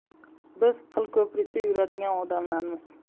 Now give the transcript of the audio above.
biz qilko'prikda yuradigan odamlarmiz